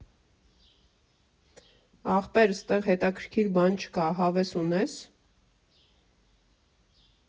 Ախպեր, ստեղ հետաքրքիր բան չկա, հավես ունե՞ս։